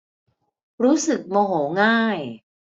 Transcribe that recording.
รู้สึกโมโหง่าย